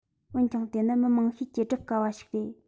འོན ཀྱང དེ ནི མི མང ཤས ཀྱིས སྒྲུབ དཀའ བ ཞིག རེད